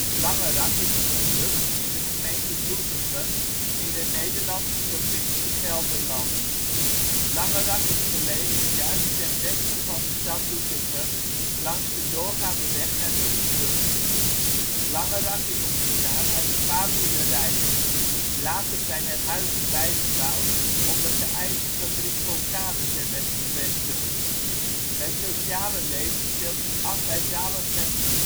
Langerak is een gehucht in de gemeente Doetinchem in de Nederlandse provincie Gelderland. Langerak is gelegen juist ten westen van de stad Doetinchem, langs de doorgaande weg naar Doesburg. Langerak is ontstaan uit een paar boerderijen. Later zijn er huizen bij gebouwd, omdat de ijzerfabriek Vulcanus er werd gevestigd. Het sociale leven speelt zich af bij zalencentrum ' Veldhoen